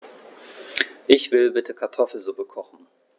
Ich will bitte Kartoffelsuppe kochen.